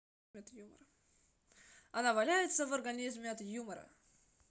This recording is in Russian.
она валяется в оргазме от юмора